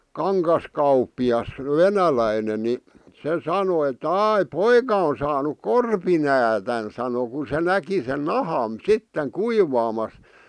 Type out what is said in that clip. kangaskauppias venäläinen niin se sanoi että ai poika on saanut korpinäädän sanoi kun se näki sen nahan sitten kuivaamassa